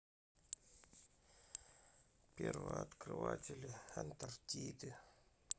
первооткрыватели антарктиды